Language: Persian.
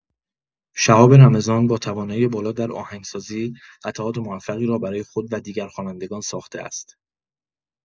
شهاب رمضان با توانایی بالا در آهنگسازی، قطعات موفقی را برای خود و دیگر خوانندگان ساخته است.